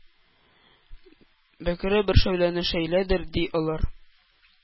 Бөкре бер шәүләне шәйләделәр, ди, алар.